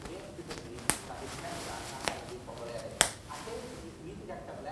gwell gyda ni na busnesan ar erddi pobol eryll, a heddi, dwi' 'di ga'l cyfle